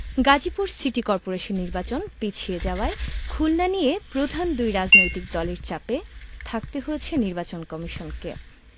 Gazipur city corporation নির্বাচন পিছিয়ে যাওয়ায় খুলনা নিয়ে প্রধান দুই রাজনৈতিক দলের চাপে থাকতে হয়েছে নির্বাচন কমিশনকে